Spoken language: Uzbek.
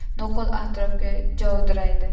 nuqul atrofga javdiraydi